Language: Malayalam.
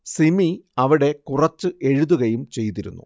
സിമി അവിടെ കുറച്ചു എഴുതുകയും ചെയ്തിരുന്നു